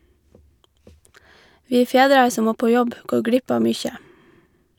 Vi fedrar som må på jobb går glipp av mykje.